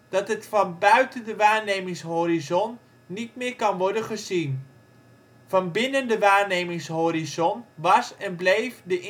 dat het van buiten de waarnemingshorizon niet meer kan worden gezien. (Van binnen de waarnemingshorizon was en bleef de